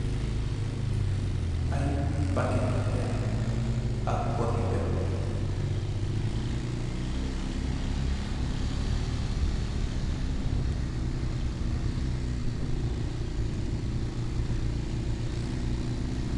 Aye paketu perr ak poti perr.